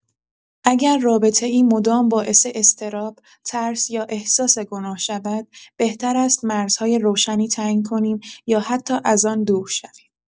اگر رابطه‌ای مدام باعث اضطراب، ترس یا احساس گناه شود، بهتر است مرزهای روشنی تعیین کنیم یا حتی از آن دور شویم.